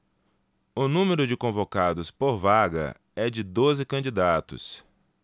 o número de convocados por vaga é de doze candidatos